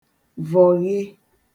vọ̀ghe